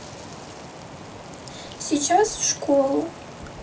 сейчас в школу